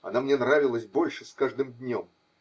Она мне нравилась больше с каждым днем.